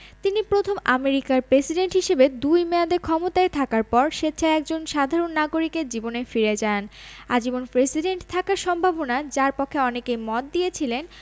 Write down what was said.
তিনি প্রথম আমেরিকার প্রেসিডেন্ট হিসেবে দুই মেয়াদে ক্ষমতায় থাকার পর স্বেচ্ছায় একজন সাধারণ নাগরিকের জীবনে ফিরে যান আজীবন প্রেসিডেন্ট থাকার সম্ভাবনা যার পক্ষে অনেকেই মত দিয়েছিলেন